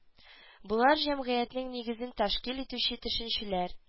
Болар җәмгыятьнең нигезен тәшкил итүче төшенчәләр